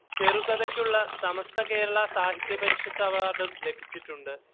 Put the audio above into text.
ചെറുകഥയ്ക്കുളള സമസ്ത കേരള സാഹിത്യ പരിഷത്ത് അവാർഡും ലഭിച്ചിട്ടുണ്ട്